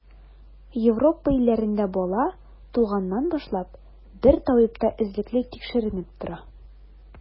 Европа илләрендә бала, туганнан башлап, бер табибта эзлекле тикшеренеп тора.